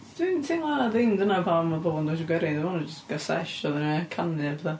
Dwi'n teimlo na ddim dyna pam ma' bobl yn dawnsio gwerin. Dwi'n meddwl na jyst cael sesh oedden nhw ia, canu a petha.